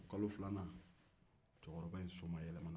o kalo filanan cɛkɔrɔba in somayɛlɛma na